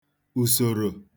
ùsòrò